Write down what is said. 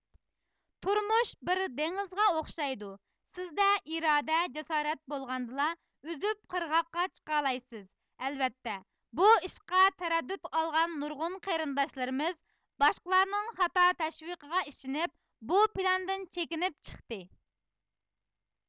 تۇرمۇش بىر دېڭىزغا ئوخشايدۇ سىزدە ئىرادە جاسارەت بولغاندىلا ئۇزۇپ قىرغاققا چىقالايسىز ئەلۋەتتە بۇ ئىشقا تەرەددۈت ئالغان نۇرغۇن قېرىنداشلىرىمىز باشقىلارنىڭ خاتا تەشۋىقىغا ئىشىنىپ بۇ پىلاندىن چىكىنىپ چىقتى